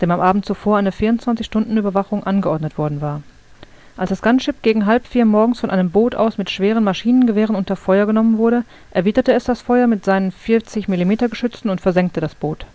Abend zuvor eine 24-Stunden-Überwachung angeordnet worden war. Als das Gunship gegen halb vier morgens von einem Boot aus mit schweren Maschinengewehren unter Feuer genommen wurde, erwiderte es das Feuer mit seinen 40-mm-Geschützen und versenkte das Boot